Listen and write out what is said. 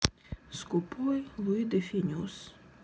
скупой луи де фюнес